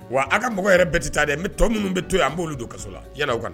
Wa a' ka mɔgɔ yɛrɛ bɛɛ te taa dɛ n be tɔ minnu be to yan n b'olu don kaso la yan'aw kana